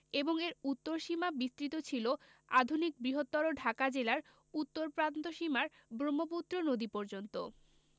এবং এর উত্তর সীমা বিস্তৃত ছিল আধুনিক বৃহত্তর ঢাকা জেলার উত্তর প্রান্তসীমায় ব্রহ্মপুত্র নদী পর্যন্ত